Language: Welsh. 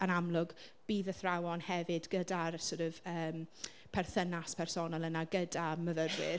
Yn amlwg bydd athrawon hefyd gyda'r sort of yym perthynas personol yna gyda myfyrwyr.